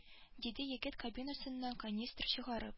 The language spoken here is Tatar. Диде егет кабинасыннан канистр чыгарып